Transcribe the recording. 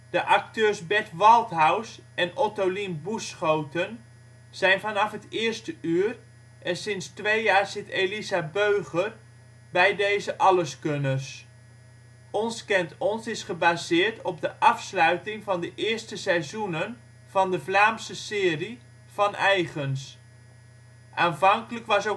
acteurs Bert Walthaus en Ottolien Boeschoten zijn vanaf het eerste uur en sinds twee jaar zit Elisa Beuger bij deze alleskunners. " Ons kent ons " is gebaseerd op de afsluiting van de eerste seizoenen van de Vlaamse versie: " Vaneigens ". Aanvankelijk was